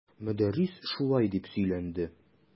Мөдәррис шулай дип сөйләнде.